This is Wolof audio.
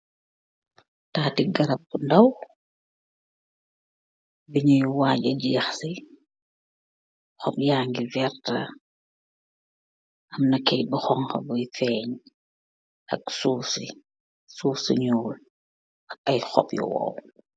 taati garap bou ndaw bou nye waja jasi, khop ay ngii vert, Amna Kait bou hongha bee finn ak souf cee souf suh nyul ak aye khop you waw